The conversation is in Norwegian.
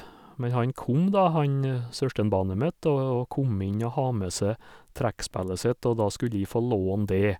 Men han kom, da, han søskenbarnet mitt, da, og kom inn og ha med seg trekkspellet sitt, og da skulle jeg få låne dét.